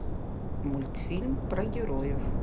мультфильм про героев